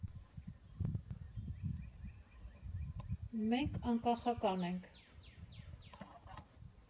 Մենք անկախական ենք։